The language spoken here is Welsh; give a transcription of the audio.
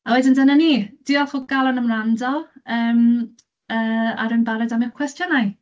A wedyn dyna ni. Diolch o galon am wrando, yym yy, a rwy'n barod am eich cwestiynau!